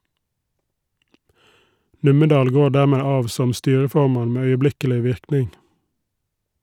Nummedal går dermed av som styreformann med øyeblikkelig virkning.